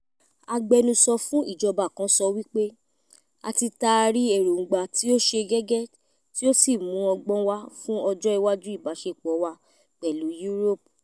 Agbẹnusọ fún ìjọba kan sọ wípé: "A ti taari èròǹgbà tí ó ṣe gẹ́gẹ́ tí ó ṣì mú ọgbọ́n wa fún ọjọ́ iwájú ìbáṣepọ̀ wa pẹ̀lú EU.”